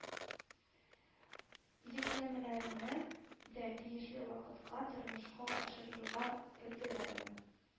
Йөкләмәләрне дә тиешле вакытка тормышка ашырырга өлгерерме